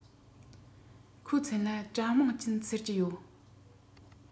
ཁོའི མཚན ལ ཀྲང མིང ཅུན ཟེར གྱི ཡོད